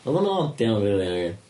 O'dd o'n od iawn rili nagi?